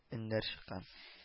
Ннәр чыккан: